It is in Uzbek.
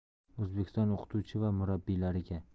o'zbekiston o'qituvchi va murabbiylariga